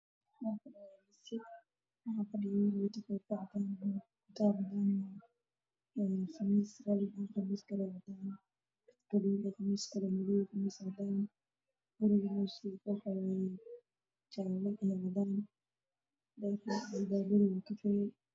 Waa masaajid waxaa fadhiya wiilal wataan qamiisyo